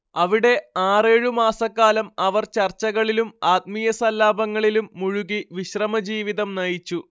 അവിടെ ആറേഴു മാസക്കാലം അവർ ചർച്ചകളിലും ആത്മീയസല്ലാപങ്ങളിലും മുഴുകി വിശ്രമജീവിതം നയിച്ചു